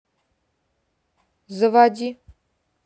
заводи